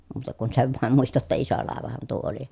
muuta kuin sen vain muistan jotta iso laivahan tuo oli